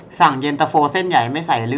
สั่งเย็นตาโฟเส้นใหญ่ไม่ใส่เลือด